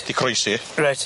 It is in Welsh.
'Di croesi. Reit.